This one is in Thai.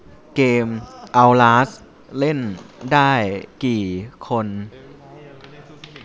เกมเอ้าลาสเล่นได้กี่คน